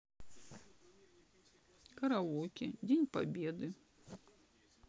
караоке день победы